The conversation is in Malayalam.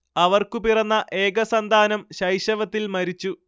അവർക്കു പിറന്ന ഏകസന്താനം ശൈശവത്തിൽ മരിച്ചു